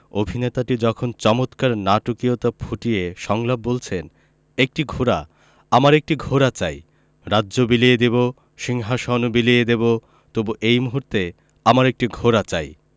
অভিনেতাটি যখন চমৎকার নাটকীয়তা ফুটিয়ে সংলাপ বলছেন একটি ঘোড়া আমার একটি ঘোড়া চাই রাজ্য বিলিয়ে দেবো সিংহাশন বিলিয়ে দেবো তবু এই মুহূর্তে আমার একটি ঘোড়া চাই